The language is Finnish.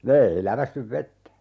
ne ei läpäissyt vettä